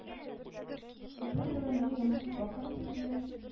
Зур борынлы, ямьсез бакыр күзле